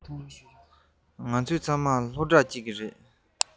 ང ཚོ ཚང མ སློབ གྲྭ གཅིག གི རེད